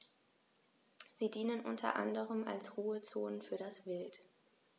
Sie dienen unter anderem als Ruhezonen für das Wild.